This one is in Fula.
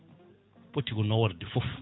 poti ko naworde foof